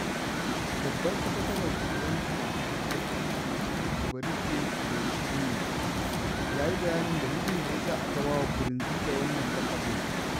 Babban sakataren CNDD-FDD, Eɓariste Ndayishimiye, ya yi bayanin dalilin da ya sa aka ba wa Nkurunziza wannan laƙabin: